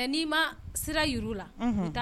Ɛ n'i ma sira jir'u la. Unhun